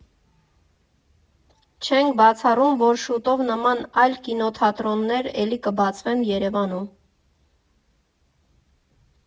Չենք բացառում, որ շուտով նման այլ կինոթատրոններ էլի կբացվեն Երևանում։